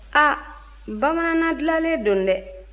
a bamanana dilannen don dɛ